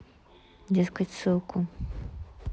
дескать ссылку